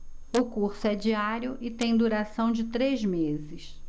o curso é diário e tem duração de três meses